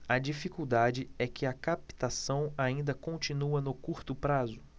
a dificuldade é que a captação ainda continua no curto prazo